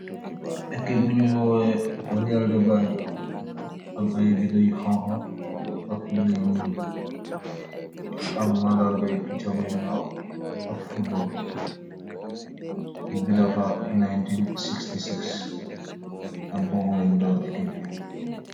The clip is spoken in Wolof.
Equipe bu njui worweh real de banjul, am aiiy binda yu honha ak binda yu njull, yu am mandarr gaii pitcha bui naww ak football, nju binda fa 1966, att bobu lengh dorre equipe bi.